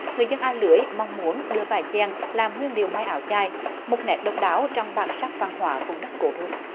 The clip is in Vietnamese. người dân a lưới mong muốn đưa vải dèn làm nguyên liệu may áo dài một nét độc đáo trong bản sắc văn hóa vùng đất cố đô